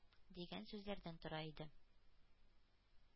Дигән сүзләрдән тора иде.